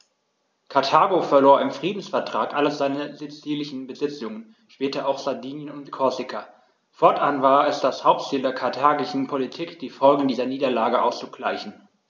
Karthago verlor im Friedensvertrag alle seine sizilischen Besitzungen (später auch Sardinien und Korsika); fortan war es das Hauptziel der karthagischen Politik, die Folgen dieser Niederlage auszugleichen.